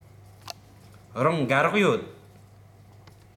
རང དགའ རོགས ཡོད